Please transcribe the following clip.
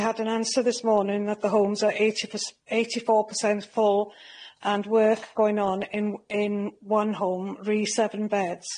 I had an answer this morning that the homes are eighty pers- eighty four percent full and work going on in in one home re seven beds.